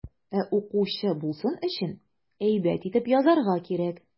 Ә укучы булсын өчен, әйбәт итеп язарга кирәк.